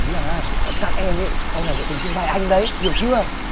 ý là các em ý sau này sẽ đứng trên vai anh đấy hiểu chưa